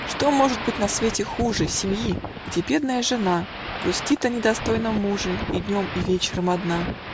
Что может быть на свете хуже Семьи, где бедная жена Грустит о недостойном муже, И днем и вечером одна